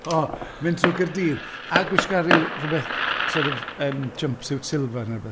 O mynd trwy'r Gaerdydd a gwisga ryw- rhywbeth sort of yym jumpsuit silver neu rywbeth.